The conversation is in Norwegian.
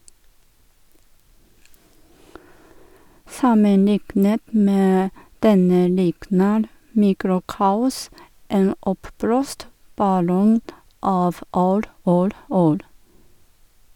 Sammenliknet med denne likner "Mikrokaos" en oppblåst ballong av ord, ord, ord.